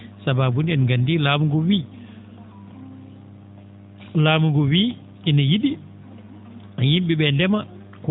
sabaabu nde en ngandi laamu ngu wii laamu ngu wii ine yi?i yim?e ?ee ndema